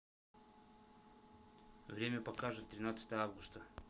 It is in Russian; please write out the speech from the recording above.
время покажет тринадцатое августа